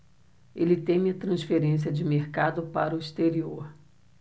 ele teme a transferência de mercado para o exterior